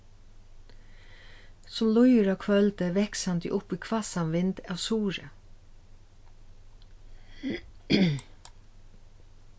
sum líður á kvøldið vaksandi upp í hvassan vind av suðri